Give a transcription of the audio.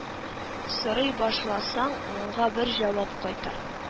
Сорый башласаң, унга бер җавап кайтара